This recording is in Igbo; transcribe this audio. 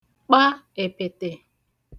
kpa èpètè